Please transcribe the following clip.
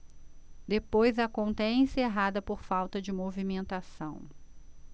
depois a conta é encerrada por falta de movimentação